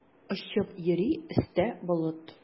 Очып йөри өстә болыт.